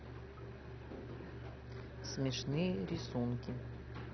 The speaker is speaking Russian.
смешные рисунки